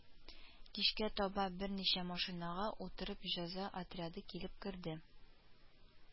Кичкә таба берничә машинага утырып җәза отряды килеп керде